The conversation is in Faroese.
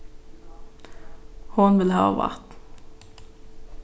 hon vil hava vatn